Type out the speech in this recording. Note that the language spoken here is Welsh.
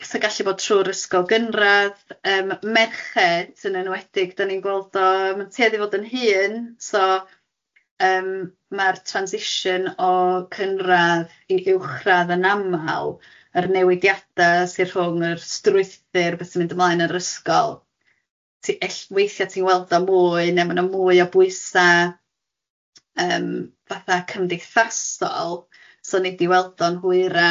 sa'n gallu bod trwy'r ysgol gynradd yym merched yn enwedig dan ni'n gweld o, ma'n tueddu i fod yn hŷn so yym ma'r transition o cynradd i uwchradd yn aml yr newidiadau sy rhwng yr strwythur beth sy'n mynd ymlaen yn yr ysgol ti ell- weithiau ti'n weld o mwy neu ma' na mwy o bwysau yym fatha cymdeithasol so nei di weld o'n hwyrach.